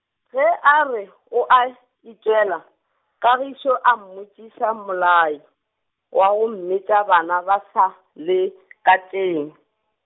ge a re oa, itwela, Kagišo o mmotšiša mmolai, wa go metša bana ba sa le , ka teng.